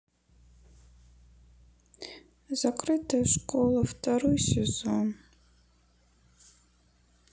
закрытая школа второй сезон